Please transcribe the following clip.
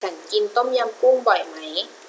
ฉันกินต้มยำกุ้งบ่อยไหม